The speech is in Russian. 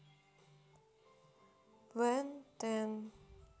бен тен